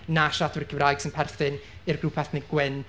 na siaradwyr Cymraeg sy'n perthyn i'r grŵp ethnig gwyn.